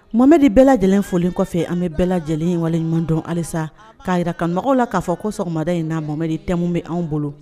Mama bɛɛ lajɛlen fɔ kɔfɛ an bɛ bɛɛ lajɛlen in waleɲuman dɔn halisa k'a jirara ka ɲɔgɔn la k'a fɔ ko sɔgɔmada in n'a momɛdi tɛmɛn bɛ anw bolo